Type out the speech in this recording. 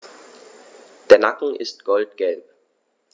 Der Nacken ist goldgelb.